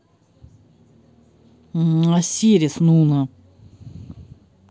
осирис нуна